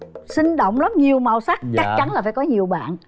inh động rất nhiều màu sắc chắc chắn là phải có nhiều bạn